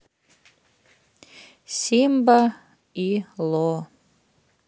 симба и ло